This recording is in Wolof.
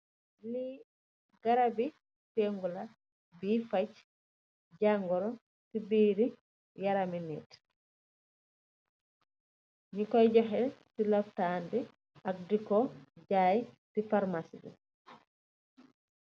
Lee garabi pingu la buye fach jaguru se bire yarame neet nu koye johe se lopetanbi ak deku jaye se pharmacybi.